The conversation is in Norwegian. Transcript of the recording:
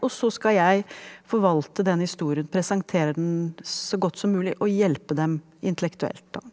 og så skal jeg forvalte den historien, presentere den så godt som mulig og hjelpe dem intellektuelt da.